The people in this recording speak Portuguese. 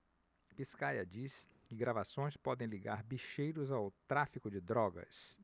biscaia diz que gravações podem ligar bicheiros ao tráfico de drogas